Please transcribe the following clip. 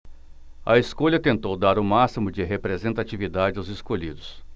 a escolha tentou dar o máximo de representatividade aos escolhidos